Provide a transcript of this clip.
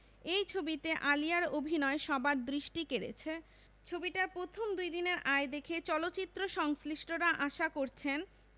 এই ছবিতে আলিয়ার অভিনয় সবার দৃষ্টি কেড়েছে ছবিটার প্রথম দুইদিনের আয় দেখে চলচ্চিত্র সংশ্লিষ্টরা আশা করছেন